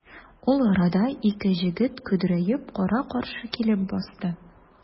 Ул арада ике җегет көдрәеп кара-каршы килеп басты.